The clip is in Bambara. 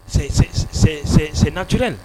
. c'est naturellle .